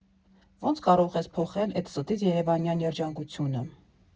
Ո՞նց կարող ես փոխել էդ ստից երևանյան երջանկությունը»…